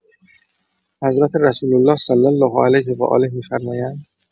حضرت رسول‌الله صلی‌الله‌علیه‌وآله می‌فرمایند